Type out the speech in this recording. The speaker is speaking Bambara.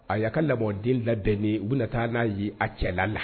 A y' aa ka labanden labɛnnen u bɛna na taa n'a ye a cɛlala la